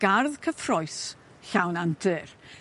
Gardd cyffrous llawn antur.